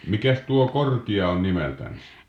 mikäs tuo korkea kukka on nimeltänsä